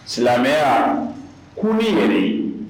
Silamɛ ko ne yɛrɛ ye.